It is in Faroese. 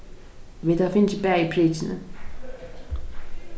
vit hava fingið bæði prikini